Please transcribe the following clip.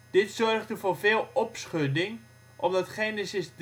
Dit zorgde voor veel opschudding, omdat Genesis